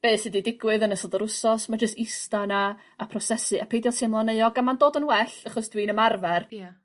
be' sy 'di digwydd yn ysod yr wsnos ma' jyst ista 'na a prosesu a peidio teimlo'n euog a ma'n dod yn well achos dw i'n ymarfer... Ia.